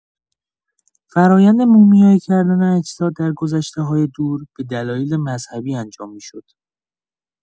فرآیند مومیایی کردن اجساد در گذشته‌های دور به دلایل مذهبی انجام می‌شد.